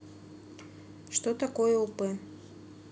что такое уп